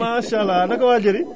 maasàllaa naka waa Njeri